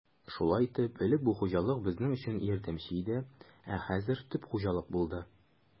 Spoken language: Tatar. Шулай итеп, элек бу хуҗалык безнең өчен ярдәмче иде, ә хәзер төп хуҗалык булды.